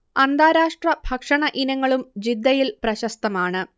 അന്താരാഷ്ട്ര ഭക്ഷണ ഇനങ്ങളും ജിദ്ദയിൽ പ്രശസ്തമാണ്